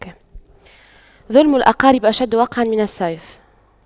ظلم الأقارب أشد وقعا من السيف